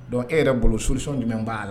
Dɔn e yɛrɛ bolo ssisɔn jumɛn b'a a la